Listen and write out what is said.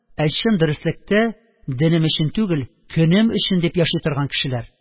Ә чын дөреслектә «денем өчен түгел, көнем өчен!» дип яши торган кешеләр.